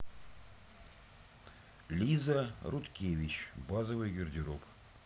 лиза рудкевич базовый гардероб